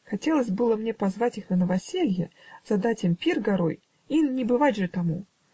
Хотелось было мне позвать их на новоселье, задать им пир горой: ин не бывать же тому!